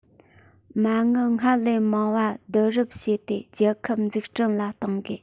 མ དངུལ སྔར ལས མང བ བསྡུ རུབ བྱས ཏེ རྒྱལ ཁབ འཛུགས སྐྲུན ལ གཏོང དགོས